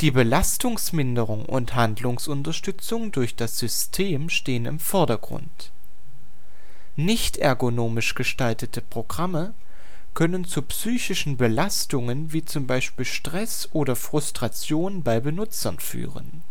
Belastungsminderung und Handlungsunterstützung durch das System stehen im Vordergrund. Nicht ergonomisch gestaltete Programme können zu psychischen Belastungen (z. B. Stress, Frustration) bei Benutzern führen